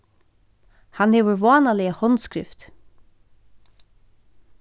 hann hevur vánaliga handskrift